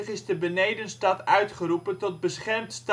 is de Benedenstad uitgeroepen tot " beschermd